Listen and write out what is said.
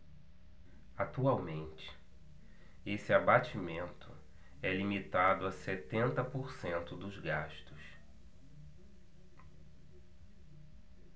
atualmente esse abatimento é limitado a setenta por cento dos gastos